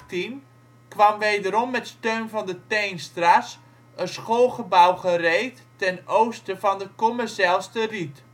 In 1818 kwam wederom met steun van de Teenstra 's een schoolgebouw gereed ten oosten van de Kommerzijlsterriet